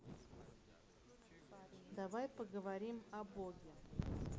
давай поговорим о боге